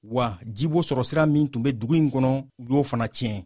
wa jibo sɔrɔsira min tun bɛ dugu in kɔnɔ o fana tiɲɛnen